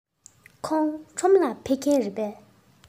ཁོང ཁྲོམ ལ ཕེབས མཁན རེད པས